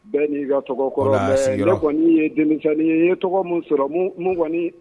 Bɛɛ n'i ka tɔgɔ kɔnɔ kɔni ye densa ye i ye tɔgɔ min sɔrɔg